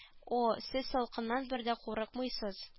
О сез салкыннардан да курыкмыйсыз